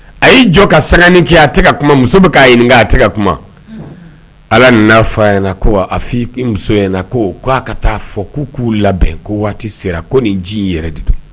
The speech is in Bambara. A y'i jɔ ka sangani kɛ a tɛ ka kuma muso bɛ k'a ɲininka, a tɛ ka kuma allah nan'a fɔ a ɲɛna ko a fɔ i muso ye ko k'a ka taa fɔ k'u k'u labɛ n ko waati sera ko nin ci in yɛrɛ de don